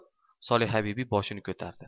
solihabibi boshini ko'tardi